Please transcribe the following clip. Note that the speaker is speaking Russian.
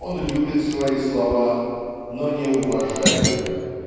Он любит свои слова, но не уважает их.